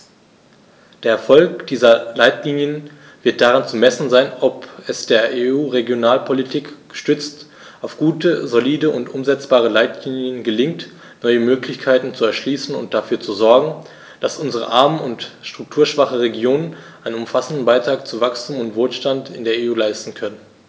Der Erfolg dieser Leitlinien wird daran zu messen sein, ob es der EU-Regionalpolitik, gestützt auf gute, solide und umsetzbare Leitlinien, gelingt, neue Möglichkeiten zu erschließen und dafür zu sorgen, dass unsere armen und strukturschwachen Regionen einen umfassenden Beitrag zu Wachstum und Wohlstand in der EU leisten können.